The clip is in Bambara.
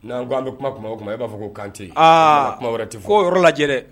N' ko an bɛ kuma o kuma i b'a fɔ ko kan tɛ ye, aa, kuma wɛrɛ tɛ fo, u k'o yɔrɔ lajɛ dɛ